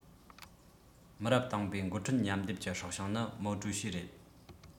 མི རབས དང པོའི འགོ ཁྲིད མཉམ སྡེབ ཀྱི སྲོག ཤིང ནི མའོ ཀྲུའུ ཞི རེད